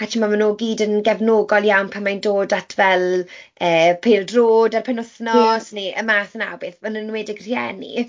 A timod, maen nhw i gyd yn gefnogol iawn pan mae'n dod at fel yy pêl droed ar y penwythnos... ie. ...neu y math 'na o beth yn enwedig rhieni.